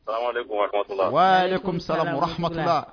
Kɔmimi saha